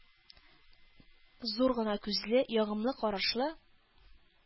Зур гына күзле, ягымлы карашлы,